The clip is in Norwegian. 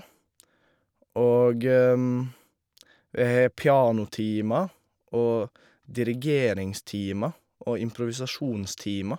Og vi har pianotimer og dirigeringstimer og improvisasjonstimer.